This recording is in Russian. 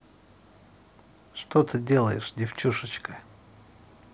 что ты делаешь девчушечка